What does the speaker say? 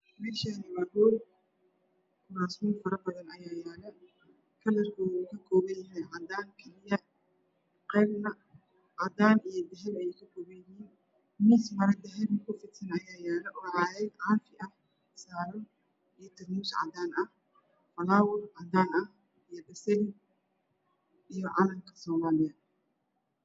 Meshani waa hol kuraasman fara badan ayaa yala kalar koodu wuxuu ka koban yahay qalin cadan ah iyo cadan iyo hadabi ayeey ka koban yihiin mis maro dahabiya saran oo cagad cafiya saran iyo tarmuus cadan ah falawar cadan iyo basali iyo calanka somaliyaa